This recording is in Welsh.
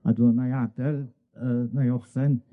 ag o wnâi adel yy wnâi orffen